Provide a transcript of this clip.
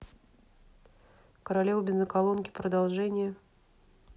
королева бензоколонки продолжение